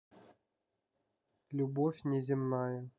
любовь неземная